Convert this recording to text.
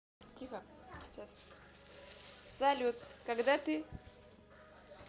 салют когда ты